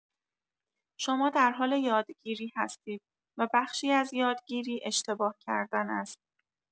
شما در حال یادگیری هستید و بخشی ازیادگیری اشتباه‌کردن است.